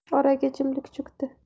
oraga jimlik cho'kdi